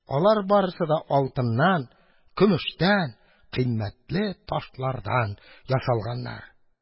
Алар барысы да алтыннан, көмештән, кыйммәтле ташлардан ясалганнар.